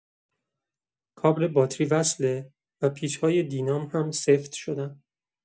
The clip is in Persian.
کابل باتری وصله و پیچ‌های دینام هم سفت شدن.